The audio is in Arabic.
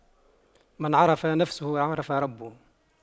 من عرف نفسه عرف ربه